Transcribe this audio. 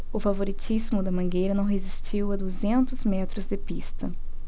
o favoritismo da mangueira não resistiu a duzentos metros de pista